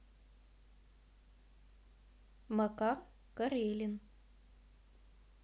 макар карелин